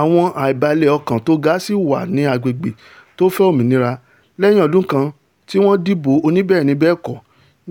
Àwọn àìbalẹ̀-ọkàn tóga sì wà ní agbègbè̀̀ tó fẹ́ òmìnira lẹ́yìn ọdún kan tíwọn dìbò oníbẹ́ẹ̀ni-bẹ́ẹ̀kọ́